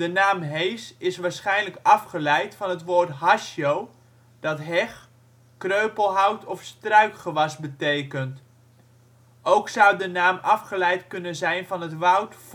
naam Hees is waarschijnlijk afgeleid van het woord hasjo, dat heg, kreupelhout of struikgewas betekent. Ook zou de naam afgeleid kunnen zijn van het woud